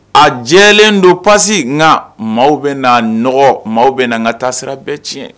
A jɛlen don pasi nka maaw bɛ n'a nɔgɔ, maaw bɛ na n ka taasira bɛɛ cɛn.